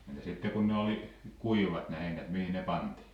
entä sitten kun ne oli kuivat ne heinät mihin ne pantiin